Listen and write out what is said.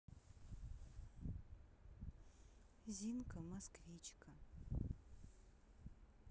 зинка москвичка